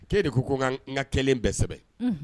E de ko ko nka n ka kelen bɛɛ kosɛbɛ